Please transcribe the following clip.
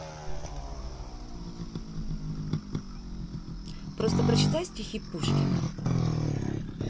просто прочитай стихи пушкина